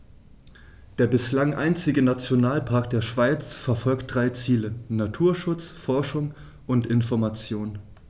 Der bislang einzige Nationalpark der Schweiz verfolgt drei Ziele: Naturschutz, Forschung und Information.